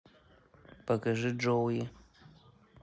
покажи джоуи